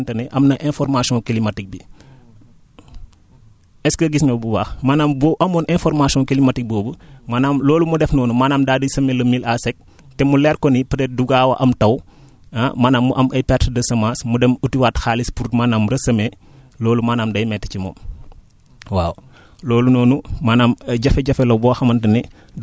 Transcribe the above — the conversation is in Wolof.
maanaam loolu noonu mënoon na koo mënoon na koo fàggu bu fennekente ne am na information climatique bi est ce que gis nga bu baax maanaam bu amoon information climatique boobu maanaam loolu mu def noonu maanaam daal di semer le mil à sec te mu leer ko ni peut être du gaaw a am taw ah manaam mu am ay pertes de semence mu dem utiwaat xaalis pour maanaam resemer loolu maanaam day métti ci moom waaw